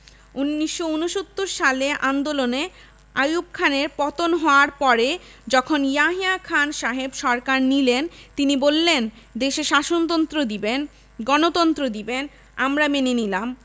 ১৯৬৯ সালে আন্দোলনে আইয়ুব খানের পতন হওয়ার পরে যখন ইয়াহিয়া খান সাহেব সরকার নিলেন তিনি বললেন দেশে শাসনতন্ত্র দিবেন গনতন্ত্র দিবেন আমরা মেনে নিলাম